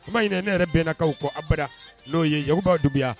Kuma ɲin ne yɛrɛ bɛnnakaw ko abara n'o ye ygobaa debi